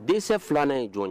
Dɛsɛ filanan ye jɔn ye